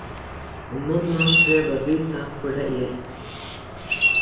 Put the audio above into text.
og nunnan krevur at vita hvør tað er